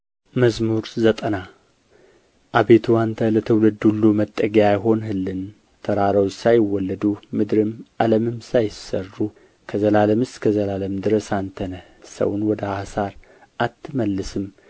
መዝሙር ዘጠና አቤቱ አንተ ለትውልድ ሁሉ መጠጊያ ሆንህልን ተራሮች ሳይወለዱ ምድርም ዓለምም ሳይሠሩ ከዘላለም እስከ ዘላለም ድረስ አንተ ነህ ሰውን ወደ ኅሳር አትመልስም